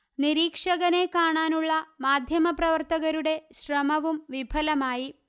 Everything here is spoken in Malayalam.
നിരീക്ഷകനെ കാണാനുള്ള മാധ്യമപ്രവര്ത്തകരുടെ ശ്രമവും വിഫലമായി